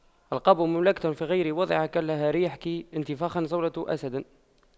ألقاب مملكة في غير موضعها كالهر يحكي انتفاخا صولة الأسد